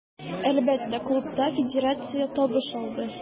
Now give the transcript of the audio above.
Әлбәттә, клуб та, федерация дә табыш алды.